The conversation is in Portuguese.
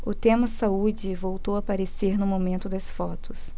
o tema saúde voltou a aparecer no momento das fotos